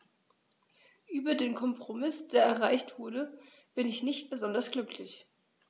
Über den Kompromiss, der erreicht wurde, bin ich nicht besonders glücklich.